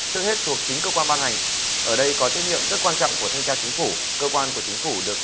trước hết thuộc chính cơ quan ban hành ở đây có trách nhiệm rất quan trọng của thanh tra chính phủ cơ quan của chính phủ được